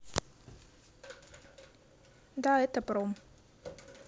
да это пром